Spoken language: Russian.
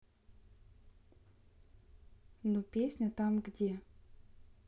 ну песня там где